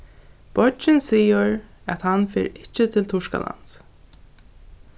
beiggin sigur at hann fer ikki til turkalands